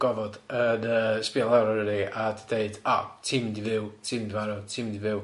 Gofod yn yy sbïo lawr arna ni a 'di deud, 'o ti'n mynd i fyw, ti'n mynd i farw, ti'n mynd i fyw.'